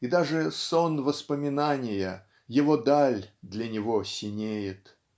и даже сон воспоминания, его даль, для него синеет.